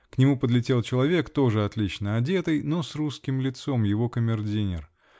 К нему подлетел человек, тоже отлично одетый, но с русским лицом -- его камердинер.